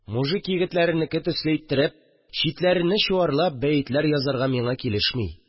Мужик егетләренеке төсле иттереп, читләрене чуарлап, бәетләр язарга миңа килешми